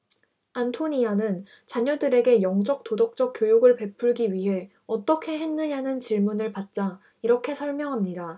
안토니아는 자녀들에게 영적 도덕적 교육을 베풀기 위해 어떻게 했느냐는 질문을 받자 이렇게 설명합니다